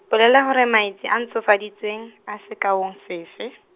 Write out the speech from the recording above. bolela hore maetsi a ntshofaditsweng, a sekaong sefe.